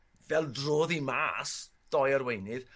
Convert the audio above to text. fel drodd 'i mas doi arweinydd